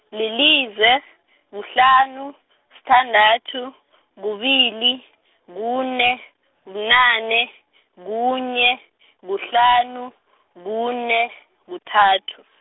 lilize , kuhlanu, sithandathu, kubili, kune, bunane, kunye, kuhlanu, kune, kuthathu.